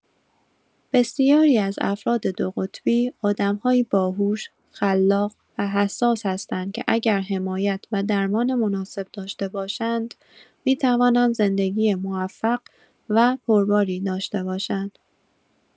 بسیاری از افراد دوقطبی آدم‌هایی باهوش، خلاق و حساس هستند که اگر حمایت و درمان مناسب داشته باشند، می‌توانند زندگی موفق و پرباری داشته باشند.